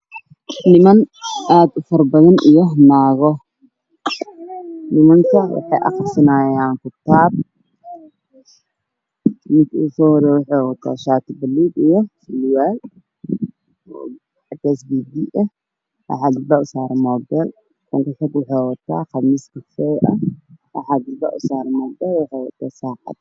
Niman aad ufara badan iyo naago nimanka waxay aqrisanaayaan kitaab ninka ugu soo horeeyo wuxuu wataa shaati baluug iyo surwaal oo cadays biyo biyo ah waxaa dhabta u saaran maabeel kan kale wuxuu wataa qamiis waxaa dhabta usaaran maabeel wuxuu wataa saacad